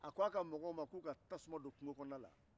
a ko ko a ka mɔgɔw ka tasuma don kungokɔnɔna na